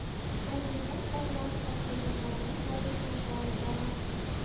Мәгълүмат барлау һәм булганнарын баету эше алып барам